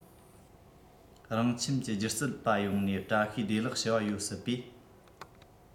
རང ཁྱིམ གྱི སྒྱུ རྩལ པ ཡོང ནས བཀྲ ཤིས བདེ ལེགས ཞུ བ ཡོད སྲིད པས